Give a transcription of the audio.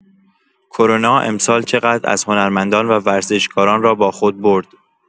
کرونا امسال چقدر از هنرمندان و ورزشکاران را با خود برد.